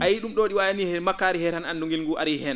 a yiyii ?um ?o ?i wayi nii he makkaari hee tan anndu ngilngu ngu arii heen